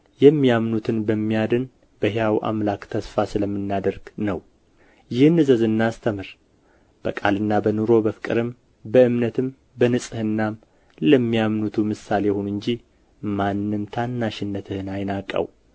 የሚያምኑትን በሚያድን በሕያው አምላክ ተስፋ ስለምናደርግ ነው ይህን እዘዝና አስተምር በቃልና በኑሮ በፍቅርም በእምነትም በንጽሕናም ለሚያምኑቱ ምሳሌ ሁን እንጂ ማንም ታናሽነትህን አይናቀው